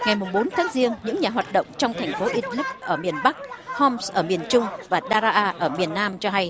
ngày mùng bốn tháng giêng những nhà hoạt động trong thành phố i bờ lứp ở miền bắc hom xờ ở miền trung và đa ra a ở miền nam cho hay